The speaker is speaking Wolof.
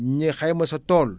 ñu xayma sa tool